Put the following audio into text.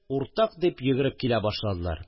«уртак!» дип йөгереп килә башладылар